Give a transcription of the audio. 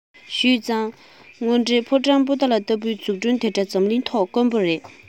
ཞུས ཙང དངོས འབྲེལ ཕོ བྲང པོ ཏ ལ ལྟ བུའི འཛུགས སྐྲུན དེ འདྲ འཛམ གླིང ཐོག དཀོན པོ རེད